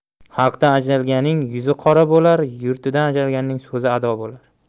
xalqdan ajralganning yuzi qora bo'lar yurtdan ajralganning so'zi ado bo'lar